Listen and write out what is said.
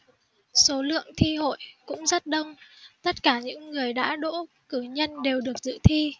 số lượng thi hội cũng rất đông tất cả những người đã đỗ cử nhân đều được dự thi